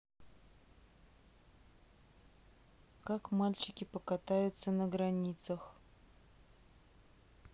как мальчики покатаются на границах